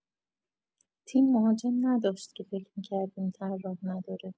تیم مهاجم نداشت که فک می‌کردیم طراح نداره